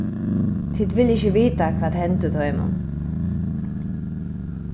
tit vilja ikki vita hvat hendi teimum